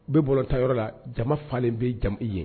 bɔrɔta yɔrɔ la jama falenlen bɛ jamu ye